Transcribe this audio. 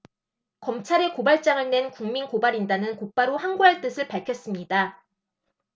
검찰에 고발장을 낸 국민고발인단은 곧바로 항고할 뜻을 밝혔습니다